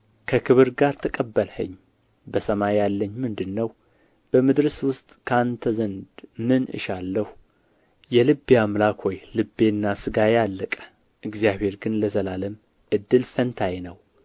ከክብር ጋር ተቀበልኸኝ በሰማይ ያለኝ ምንድር ነው በምድርስ ውስጥ ከአንተ ዘንድ ምን እሻለሁ የልቤ አምላክ ሆይ ልቤና ሥጋዬ አለቀ እግዚአብሔር ግን ለዘላለም እድል ፈንታዬ ነው